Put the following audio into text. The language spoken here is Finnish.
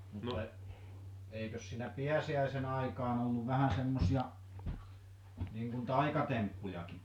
no eikös siinä pääsiäisen aikaan ollut vähän semmoisia niin kuin taikatemppujakin